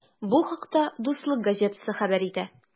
Бу хакта “Дуслык” газетасы хәбәр итә.